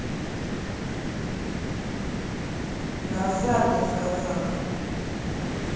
назад я сказал